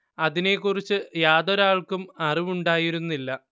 അതിനെക്കുറിച്ച് യാതൊരാൾക്കും അറിവുണ്ടായിരുന്നില്ല